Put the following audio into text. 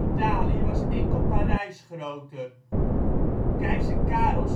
Italië was enkel Parijs groter. Keizer Karel